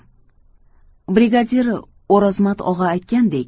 brigadir o'rozmat og'a aytgandek